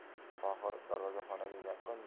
tohir darvozaxonaga yaqin